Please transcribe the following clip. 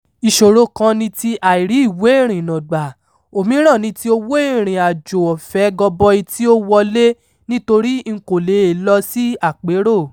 Ìṣòro kan ni ti àìrí ìwé ìrìnnà gbà, òmíràn ni ti owó ìrìnàjò ọ̀fẹ́ gọbọi tí ó wọlẹ̀ nítori n kò le è lọ si àpérò.